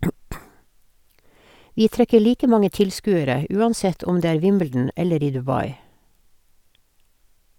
Vi trekker like mange tilskuere uansett om det er Wimbledon eller i Dubai.